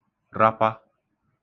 rapa